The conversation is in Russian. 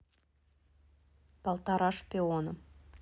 полтора шпиона